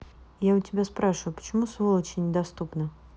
я у тебя спрашиваю почему сволочи недоступны